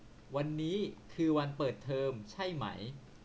วันนี้คือวันเปิดเทอมใช่ไหม